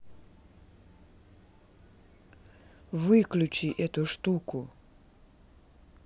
выключи эту штуку